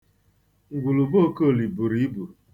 Ǹgwùrù be Okoli buru ibu.